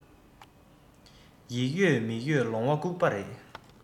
ཡིག ཡོད མིག ཡོད ལོང བ སྐུགས པ རེད